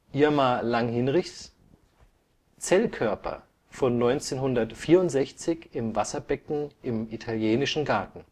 Irma Langhinrichs: Zellkörper von 1964 im Wasserbecken im Italienischen Garten